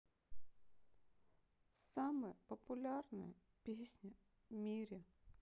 самая популярная песня в мире